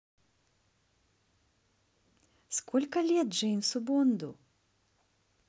сколько лет джеймсу бонду